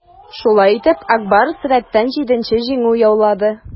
Шулай итеп, "Ак Барс" рәттән җиденче җиңү яулады.